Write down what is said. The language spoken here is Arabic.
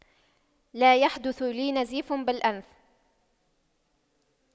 لا يحدث لي نزيف بالأنف